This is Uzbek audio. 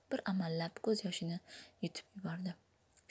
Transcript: bir amallab ko'z yoshini yutib yubordi